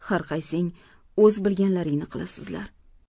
har qaysing o'z bilganlaringni qilasizlar